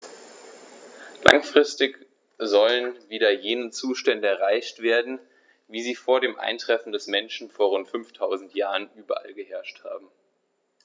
Langfristig sollen wieder jene Zustände erreicht werden, wie sie vor dem Eintreffen des Menschen vor rund 5000 Jahren überall geherrscht haben.